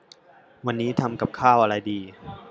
วันนี้ทำกับข้าวอะไรดี